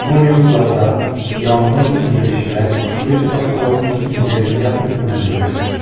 Бу минутларда янгын сүндерүчеләр республика башкаласының үзәгендә ут белән көрәшә.